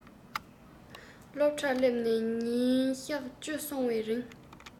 སློབ གྲྭར སླེབས ནས ཉིན གཞག བཅུ སོང བའི རིང